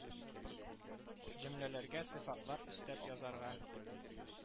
Җөмләләргә сыйфатлар өстәп язарга